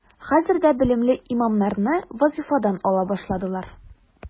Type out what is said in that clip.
Хәзер дә белемле имамнарны вазифадан ала башладылар.